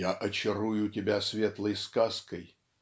"Я очарую тебя светлой сказкой